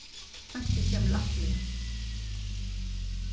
einki kemur lættliga